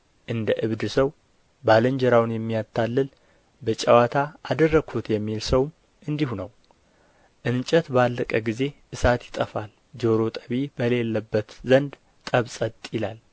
እንደ ዕብድ ሰው ባልንጀራውን የሚያታልል በጨዋታ አደረግሁት የሚል ሰውም እንዲሁ ነው እንጨት ባለቀ ጊዜ እሳት ይጠፋል ጆሮ ጠቢ በሌለበትም ዘንድ ጠብ ጸጥ ይላል